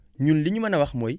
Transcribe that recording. ñun li ñu mën a wax mooy